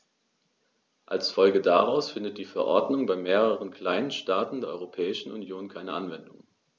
Als Folge daraus findet die Verordnung bei mehreren kleinen Staaten der Europäischen Union keine Anwendung.